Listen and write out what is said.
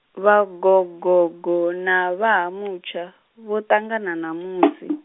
vha Gogogo na vha Ha Mutsha, vho ṱangana ṋamusi.